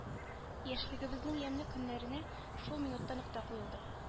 Яшьлегебезнең ямьле көннәренә шул минутта нокта куелды